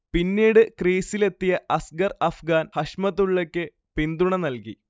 പിന്നീട് ക്രീസിലെത്തിയ അസ്ഗർ അഫ്ഗാൻ, ഹഷ്മതുള്ളയ്ക്ക് പിന്തുണ നൽകി